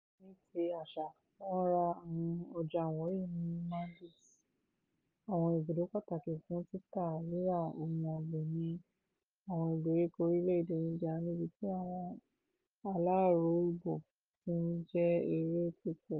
Ní ti àṣà, wọ́n ra àwọn ọjà wọ̀nyí ní "mándis" (àwọn ibùdó pàtàkì fún títà-rírà ohun ọ̀gbìn ní àwọn ìgbèríko orílẹ̀ èdè India), níbi tí àwọn aláròóbọ̀ tí ń jẹ èrè tí ó pọ̀jù.